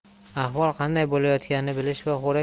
ahvol qanday bo'layotganini bilish va xo'rak